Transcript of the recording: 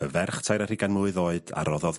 ...y ferch tair ar hugan mlwydd oed a roddodd...